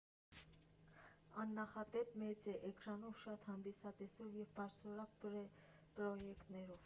Աննախադեպ մեծ էկրանով, շատ հանդիսատեսով ու բարձրորակ պրոյեկցիայով։